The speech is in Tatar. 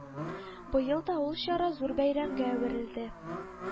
Быел да ул чара зур бәйрәмгә әверелде